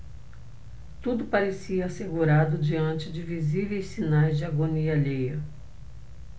tudo parecia assegurado diante de visíveis sinais de agonia alheia